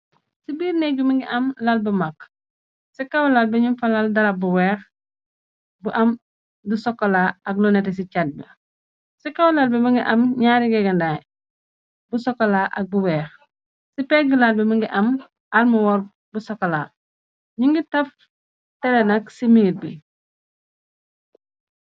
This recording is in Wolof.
Ci biir nek bu mingi am lal bu makk. Ci kawlaal bi ñu falal darab bu weex bu am du sokolaa ak loneté. Ci kawlaal bi mëngi am ñaari gegendaay bu sokolaa ak bu weex. Ci pegglaal bi mëngi am almu wor bu sokola ñu ngi taf tele nak ci minit bi.